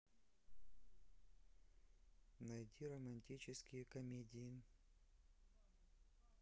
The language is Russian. найди романтические комедии